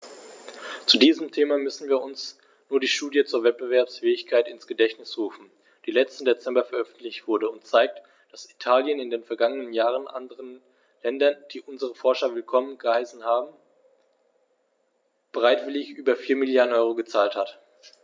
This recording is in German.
Zu diesem Thema müssen wir uns nur die Studie zur Wettbewerbsfähigkeit ins Gedächtnis rufen, die letzten Dezember veröffentlicht wurde und zeigt, dass Italien in den vergangenen Jahren anderen Ländern, die unsere Forscher willkommen geheißen haben, bereitwillig über 4 Mrd. EUR gezahlt hat.